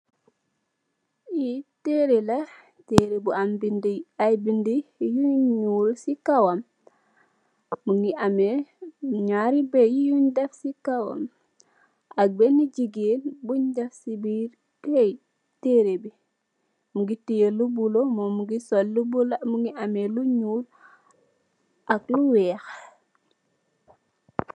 Lee tereh la tereh bu am bede aye bede bede yu nuul se kawam muge ameh nyari baye yun def se kawam ak bene jegain bun def se birr keyete tereh be muge teye lu bulo mum muge sol lu bulo muge ameh lu nuul ak lu weex.